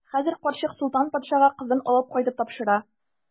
Хәзер карчык Солтан патшага кызын алып кайтып тапшыра.